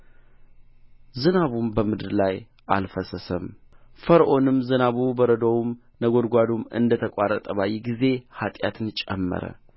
ዝናቡም በምድር ላይ አልፈሰሰም ፈርዖንም ዝናቡ በረዶውም ነጎድጓዱም እንደ ተቋረጠ ባየ ጊዜ ኃጢያትን ጨመረ